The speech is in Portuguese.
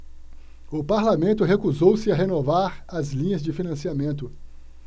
o parlamento recusou-se a renovar as linhas de financiamento